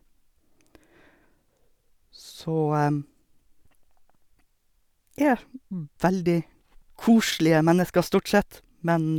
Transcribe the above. Så Er veldig koselige mennesker, stort sett, men...